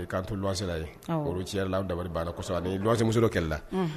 K'an to luwase la yen, awɔ, o don tiɲɛ yɛrɛ la an dibali banna kosɛbɛ, a ni luwansemuso dɔ kɛlɛla, unhun